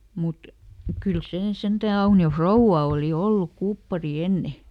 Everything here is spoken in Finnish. mutta kyllä se sentään Aunion rouva oli ollut kuppari ennen